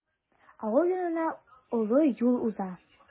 Авыл яныннан олы юл уза.